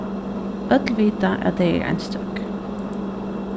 øll vita at tey eru einstøk